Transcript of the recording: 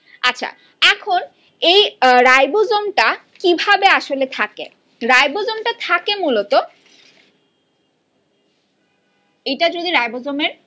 আচ্ছা এখন এই রাইবোজোম টা কিভাবে আসলে থাকে রাইবোজোম টা থাকে মূলত এটা যদি রাইবোজোমের